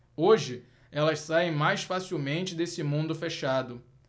hoje elas saem mais facilmente desse mundo fechado